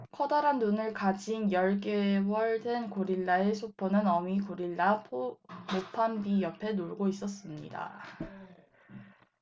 커다란 눈을 가진 열 개월 된 고릴라 소포는 어미 고릴라 모팜비 옆에서 놀고 있습니다